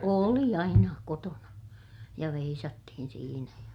oli aina kotona ja veisattiin siinä ja